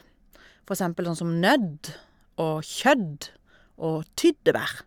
For eksempel sånn som nedd og kjødd og tyddebær.